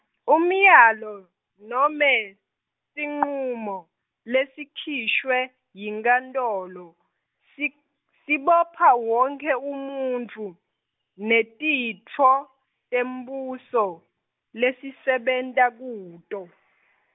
umyalo, nome, sincumo, lesikhishwe, yinkantolo, si- sibopha wonkhe umuntfu , netintfo, tembuso, lesisebenta kuto.